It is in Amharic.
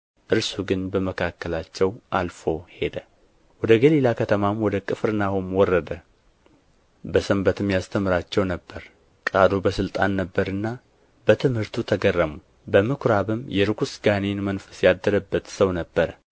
እርሱ ግን በመካከላቸው አልፎ ሄደ ወደ ገሊላ ከተማም ወደ ቅፍርናሆም ወረደ በሰንበትም ያስተምራቸው ነበር ቃሉ በሥልጣን ነበርና በትምህርቱ ተገረሙ በምኵራብም የርኵስ ጋኔን መንፈስ ያደረበት ሰው ነበረ